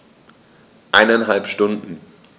Eineinhalb Stunden